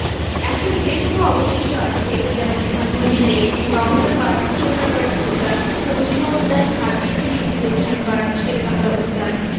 এখন যেটুকু অবশিষ্ট আছে যেমন ধানমন্ডি লেক রমনা পার্ক সোহ্রাওয়ার্দী উদ্যান চন্দ্রিমা উদ্যান হাতিরঝিল গুলশান পার্ক শেরেবাংলা উদ্যান